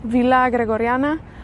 Villa Gregoriana,